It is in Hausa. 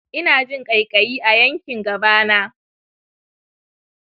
ina jin kaikayi a yankin gaba na